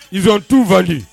Ison t'ubali